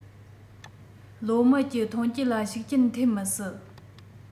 ལོ སྨད ཀྱི ཐོན སྐྱེད ལ ཤུགས རྐྱེན ཐེབས མི སྲིད